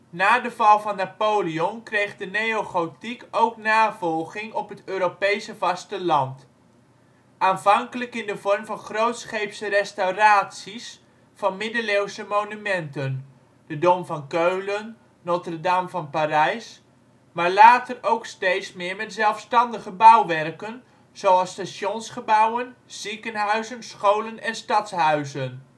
Na de val van Napoleon kreeg de neogotiek ook navolging op het Europese vasteland. Aanvankelijk in de vorm van grootscheepse restauraties van middeleeuwse monumenten (Dom van Keulen, Notre-Dame van Parijs), maar later ook steeds meer met zelfstandige bouwwerken, zoals stationsgebouwen, ziekenhuizen, scholen en stadhuizen